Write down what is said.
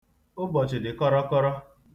Ụbọchị dị kọrọkọrọ.